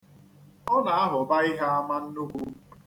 Ọ na-ahụba ihe ama nnukwu.